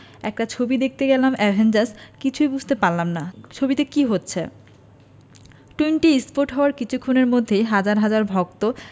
একটা ছবি দেখতে গেলাম অ্যাভেঞ্জার্স কিছু বুঝতেই পারলাম না ছবিতে কী হচ্ছে টুইনটি পোস্ট হওয়ার কিছুক্ষণের মধ্যেই হাজার হাজার ভক্ত